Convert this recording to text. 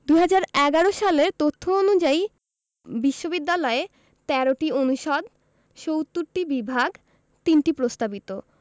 ২০১১ সালের তথ্য অনুযায়ী বিশ্ববিদ্যালয়ে ১৩টি অনুষদ ৭০টি বিভাগ ৩টি প্রস্তাবিত